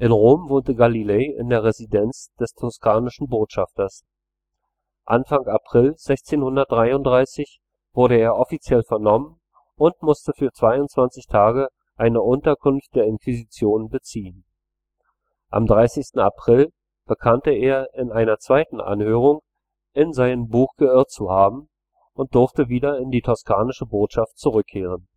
Rom wohnte Galilei in der Residenz des toskanischen Botschafters. Anfang April 1633 wurde er offiziell vernommen und musste für 22 Tage eine Unterkunft der Inquisition beziehen. Am 30. April bekannte er in einer zweiten Anhörung, in seinem Buch geirrt zu haben, und durfte wieder in die toskanische Botschaft zurückkehren